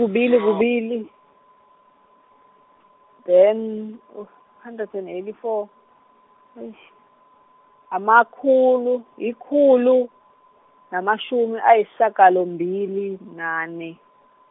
kubili kubili, then o- hundred and eighty four, eish amakhulu, ikhulu, namashumi ayishagalombili, nane.